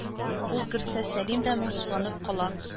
Ул керсә, Сәлим дә моңсуланып кала.